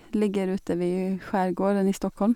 Ligger ute ved skjærgården i Stockholm.